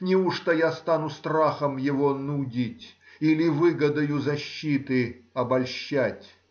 Неужто я стану страхом его нудить или выгодою защиты обольщать?